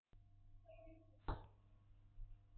ཙི ཙི ཕོ དེ ནོར འཁྲུལ ཆེན པོ